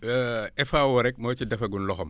FAO rekk moo ci defagul loxoom